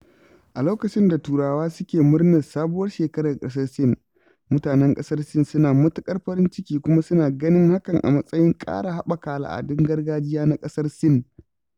A lokacin da Turawa suke murnar Sabuwar Shekarar ƙasar Sin, mutanen ƙasar Sin suna matuƙar farin ciki kuma suna ganin hakan a matsayin ƙara haɓaka al'adun gargajiya na ƙasar Sin…